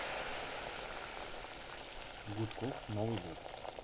гудков новый год